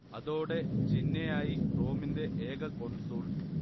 അതോടേ ചിന്നയായി റോമിന്റെ ഏക കോൺസുൾ